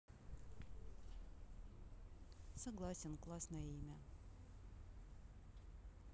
согласен классное имя